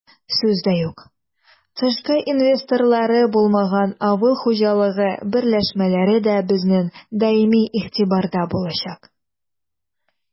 Сүз дә юк, тышкы инвесторлары булмаган авыл хуҗалыгы берләшмәләре дә безнең даими игътибарда булачак.